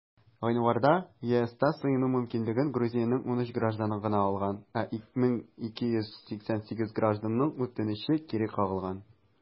Гыйнварда ЕСта сыену мөмкинлеген Грузиянең 13 гражданы гына алган, ә 1288 гражданның үтенече кире кагылган.